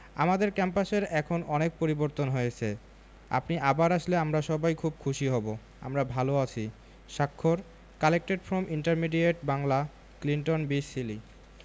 আমাদের ক্যাম্পাসের এখন অনেক পরিবর্তন হয়েছে আপনি আবার আসলে আমরা সবাই খুব খুশি হব আমরা ভালো আছি স্বাক্ষর collected from intermediate Bangla Clinton B Seely